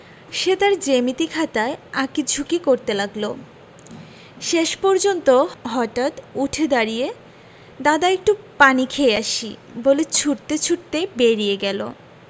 সে তার জ্যামিতি খাতায় আঁকি ঝুকি করতে লাগলো শেষ পর্যন্ত হটাৎ উঠে দাড়িয়ে দাদা একটু পানি খেয়ে আসি বলে ছুটতে ছুটতে বেরিয়ে গেল